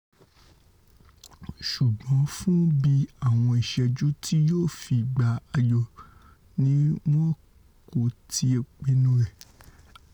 Ṣùgbọ́n fún bí àwọn ìṣẹ́jú tí yóò fi gbá ayò níwọn kò tíì pinnu rẹ̀.